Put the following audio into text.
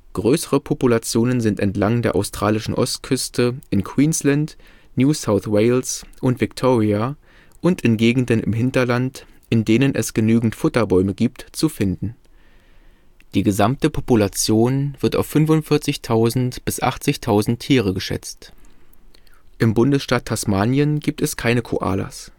Größere Populationen sind entlang der australischen Ostküste in Queensland, New South Wales und Victoria und in Gegenden im Hinterland, in denen es genügend Futterbäume gibt, zu finden. Die gesamte Population wird auf 45.000 – 80.000 Tiere geschätzt. Im Bundesstaat Tasmanien gibt es keine Koalas